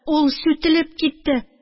Ул сүтелеп китте.